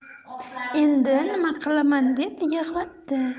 endi nima qilaman deb yig'labdi